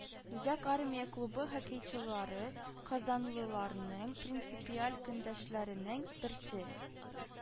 Үзәк армия клубы хоккейчылары казанлыларның принципиаль көндәшләренең берсе